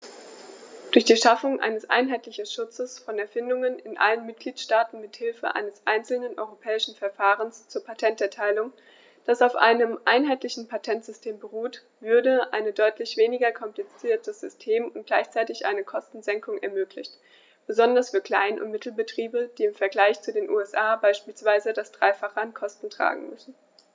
Durch die Schaffung eines einheitlichen Schutzes von Erfindungen in allen Mitgliedstaaten mit Hilfe eines einzelnen europäischen Verfahrens zur Patenterteilung, das auf einem einheitlichen Patentsystem beruht, würde ein deutlich weniger kompliziertes System und gleichzeitig eine Kostensenkung ermöglicht, besonders für Klein- und Mittelbetriebe, die im Vergleich zu den USA beispielsweise das dreifache an Kosten tragen müssen.